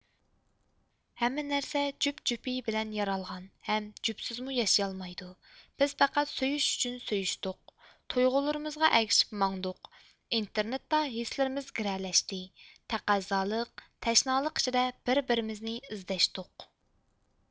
ھەممە نەرسە جۈپ جۈپى بىلەن يارالغان ھەم جۈپسىزمۇ ياشىيالمايدۇ بىز پەقەت سۆيۈش ئۇچۇن سۆيۈشتۇق تۇيغۇلىرىمىزغا ئەگىشىپ ماڭدۇق ئىنتېرنېتتا ھېسلىرىمىز گىرەلەشتى تەقەززالىق تەشنالىق ئىچىدە بىر بىرىمىزنى ئىزدەشتۇق